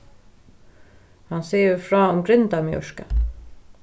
hann sigur frá um grindamjørka